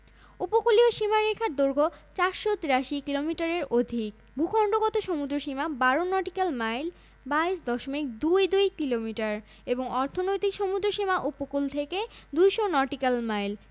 গঙ্গা পদ্মা ব্রহ্মপুত্র যমুনা সুরমা কুশিয়ারা মেঘনা কর্ণফুলি পুরাতন ব্রহ্মপুত্র আড়িয়াল খাঁ বুড়িগঙ্গা শীতলক্ষ্যা তিস্তা আত্রাই গড়াই মধুমতি কপোতাক্ষ